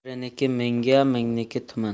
birniki mingga mingniki tumanga